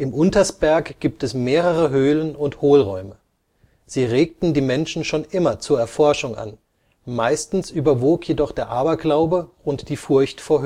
Untersberg gibt es mehrere Höhlen und Hohlräume. Sie regten die Menschen schon immer zur Erforschung an, meistens überwog jedoch der Aberglaube und die Furcht vor